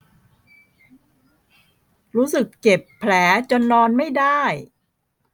รู้สึกเจ็บแผลจนนอนไม่ได้